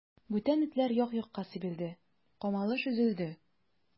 Бүтән этләр як-якка сибелде, камалыш өзелде.